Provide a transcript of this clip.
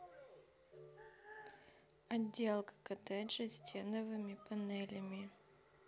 отделка коттеджа стеновыми панелями